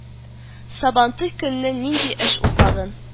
Сабантуй көнне нинди эш ул тагын